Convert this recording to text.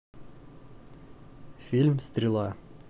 фильм стрела